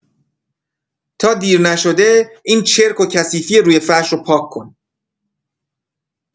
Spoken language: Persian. تا دیر نشده، این چرک و کثیفی روی فرش رو پاک‌کن.